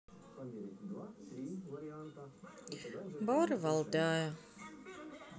бары валдая